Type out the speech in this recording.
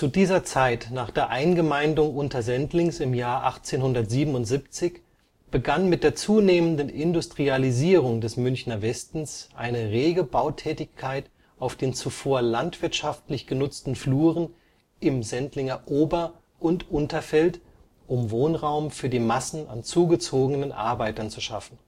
dieser Zeit nach der Eingemeindung Untersendlings 1877 begann mit der zunehmenden Industrialisierung des Münchner Westens eine rege Bautätigkeit auf den zuvor landwirtschaftlich genutzten Fluren im Sendlinger Ober - und Unterfeld, um Wohnraum für die Massen an zugezogenen Arbeitern zu schaffen